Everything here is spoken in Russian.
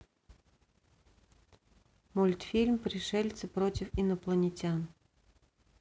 мультфильм пришельцы против инопланетян